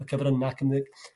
y cyfrynga' cymdei-